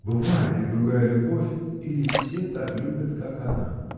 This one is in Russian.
бывает ли другая любовь, или все так любят, как она?